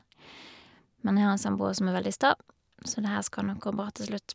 Men jeg har en samboer som er veldig sta, så det her skal nok gå bra til slutt.